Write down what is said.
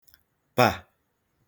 pà